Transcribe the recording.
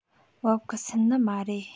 བབ གི སུན ནི མ རེད